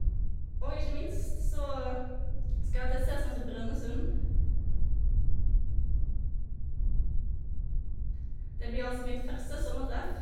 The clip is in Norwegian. Og ikke minst så skal jeg til et sted som heter Brønnøysund Det blir altså mitt første sommertreff.